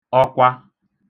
ọkwa